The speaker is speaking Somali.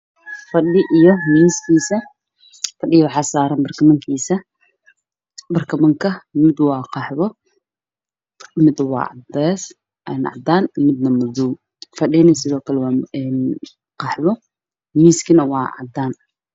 Waa fadhi madow waxaa saaran barkimo madow iyo caddaan isugu jiro dhulkana waa caddaan